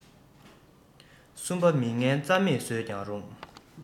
གསུམ པ མི ངན རྩ མེད བཟོས ཀྱང རུང